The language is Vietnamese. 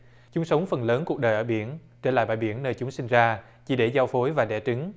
chúng sống phần lớn cuộc đời ở biển trở lại bải biển nơi chúng sinh ra chỉ để giao phối và đẻ trứng